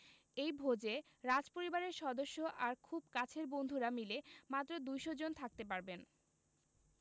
এই ভোজে রাজপরিবারের সদস্য আর খুব কাছের বন্ধুরা মিলে মাত্র ২০০ জন থাকতে পারবেন